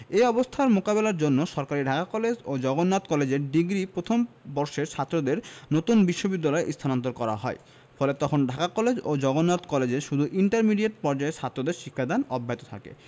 এ অবস্থার মোকাবেলার জন্য সরকারি ঢাকা কলেজ ও জগন্নাথ কলেজের ডিগ্রি প্রথম বর্ষের ছাত্রদের নতুন বিশ্ববিদ্যালয়ে স্থানান্তর করা হয় ফলে তখন ঢাকা কলেজ ও জগন্নাথ কলেজে শুধু ইন্টারমিডিয়েট পর্যায়ের ছাত্রদের শিক্ষাদান অব্যাহত থাকে